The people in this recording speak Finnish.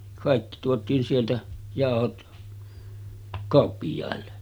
kaikki tuotiin sieltä jauhot kauppiaille